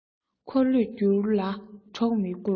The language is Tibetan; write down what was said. འཁོར ལོས བསྒྱུར ལ གྲོགས མི དགོས